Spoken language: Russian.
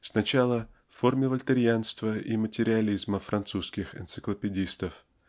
сначала в форме вольтерьянства и материализма французских энциклопедистов